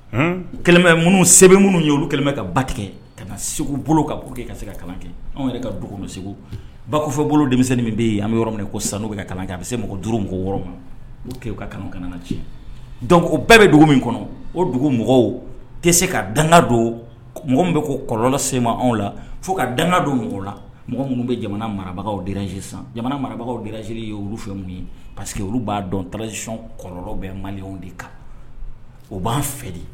Minnu sɛbɛn minnu ye olu ka ba tigɛ ka na segu bolo ka bɔ kɛ ka se ka kalan kɛ anw yɛrɛ ka dugu don segu bafɛ bolo denmisɛnnin bɛ ye yan bɛ yɔrɔ min ko sanu bɛ ka kalankɛ a bɛ se mɔgɔ juru mɔgɔ wɔɔrɔ ma u ke ka kanu kanaana cɛ dɔn ko bɛɛ bɛ dugu min kɔnɔ o dugu mɔgɔw tɛ se ka danga don mɔgɔ min bɛ ko kɔlɔ sema anw la fo ka danga don la mɔgɔ minnu bɛ jamana marabagawra jamana marabagaw deraz ye olu fɛ minnu ye pa queseke olu b'a dɔn tasic kɔ bɛ maliw de kan o b'an fɛ de